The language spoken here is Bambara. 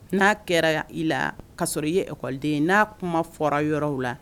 N'a kɛra i la kasɔrɔ i ye ekɔden ye n'a kuma fɔra yɔrɔ la